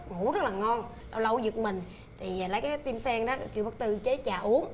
ngủ rất là ngon lâu lâu á giật mình thì à lấy cái tim sen đó kêu bác tư chế trà uống